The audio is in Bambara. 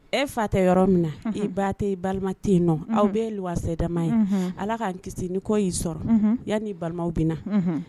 E fa tɛ yɔrɔ min na e ba tɛ balima tɛ yen nɔ aw bɛ wadama ye ala k'an kisi ni kɔ y'i sɔrɔ yan ni balimaw bɛ na